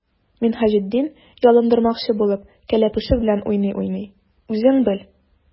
Минһаҗетдин, ялындырмакчы булып, кәләпүше белән уйный-уйный:— Үзең бел!